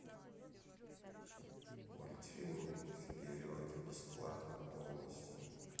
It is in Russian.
мультфильм вперед бесплатно полностью